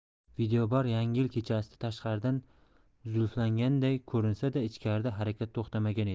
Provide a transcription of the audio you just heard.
videobar yangi yil kechasida tashqaridan zulfinlanganday ko'rinsa da ichkarida harakat to'xtamagan edi